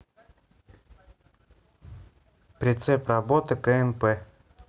принцип работы кнп